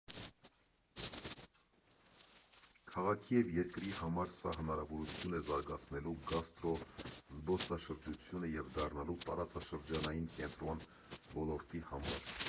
Քաղաքի և երկրի համար սա հնարավորություն է զարգացնելու գաստրո֊զբոսաշրջությունը և դառնալու տարածաշրջանային կենտրոն ոլորտի համար։